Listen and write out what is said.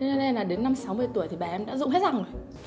thế cho nên là đến năm sáu mươi tuổi bà em đã rụng hết răng rồi